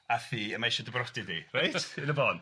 â thi a mae isio dy brodi di, reit yn y bôn.